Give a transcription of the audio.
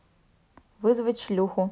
вызвать шлюху